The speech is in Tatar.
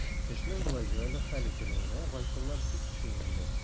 Эшнең болай җайлы хәл ителүенә Гайфулла бик сөенде.